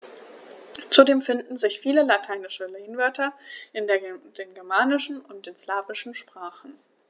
Zudem finden sich viele lateinische Lehnwörter in den germanischen und den slawischen Sprachen.